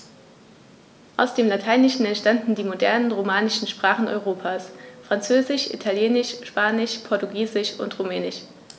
Aus dem Lateinischen entstanden die modernen „romanischen“ Sprachen Europas: Französisch, Italienisch, Spanisch, Portugiesisch und Rumänisch.